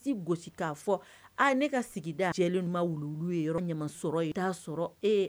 Si gosi k'a fɔ ne ka sigida cɛ ma wulu ye yɔrɔ ɲama sɔrɔ ye t'a sɔrɔ